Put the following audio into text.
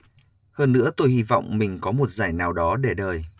hơn nữa tôi hy vọng mình có một giải nào đó để đời